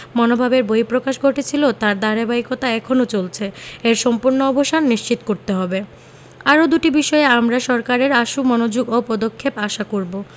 মনোভাবের বহিঃপ্রকাশ ঘটেছিল তার ধারাবাহিকতা এখনো চলছে এর সম্পূর্ণ অবসান নিশ্চিত করতে হবে আরও দুটি বিষয়ে আমরা সরকারের আশু মনোযোগ ও পদক্ষেপ আশা করব